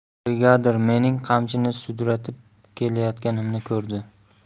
brigadir mening qamchini sudratib kelayotganimni ko'rdi